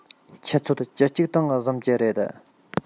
ཆུ ཚོད བཅུ གཅིག སྟེང གཟིམ གྱི རེད